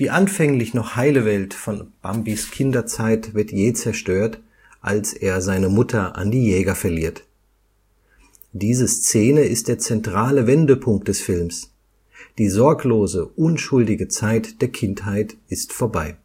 anfänglich noch heile Welt von Bambis Kinderzeit wird jäh zerstört, als er seine Mutter an die Jäger verliert. Diese Szene ist der zentrale Wendepunkt des Films, die sorglose, unschuldige Zeit der Kindheit ist vorbei